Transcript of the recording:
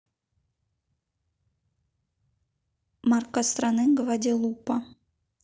марка страны гваделупа